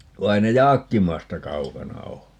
vaan ei ne Jaakkimasta kaukana ole